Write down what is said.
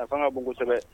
Afan ka bon kosɛbɛ